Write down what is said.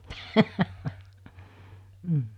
mm